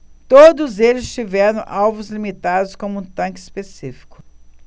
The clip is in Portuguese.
todos eles tiveram alvos limitados como um tanque específico